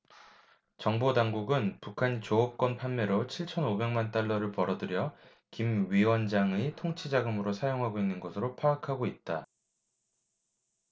정보당국은 북한이 조업권 판매로 칠천 오백 만 달러를 벌어들여 김 위원장의 통치자금으로 사용하고 있는 것으로 파악하고 있다